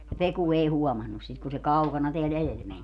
ja Peku ei huomannut sitä kun se kaukana täällä edellä meni